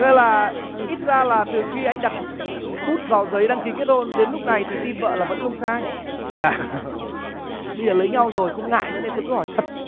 có nghĩa là ít ra là từ khi anh đặt bút vào giấy đăng ký kết hôn đến lúc này thì tìm vợ là vẫn không sai bây giờ lấy nhau rồi không ngại nữa nên tôi cứ hỏi thật